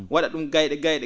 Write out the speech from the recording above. wa?a ?um gay?e gay?e